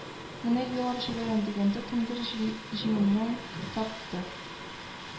Менә елап җибәрәм дигәндә, кемдер җиңемнән тартты